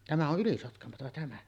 tämä on Ylisotkamoa tämä